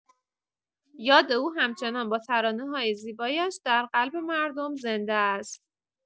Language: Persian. یاد او همچنان با ترانه‌های زیبایش در قلب مردم زنده است.